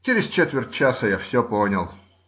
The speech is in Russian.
Через четверть часа я все понял.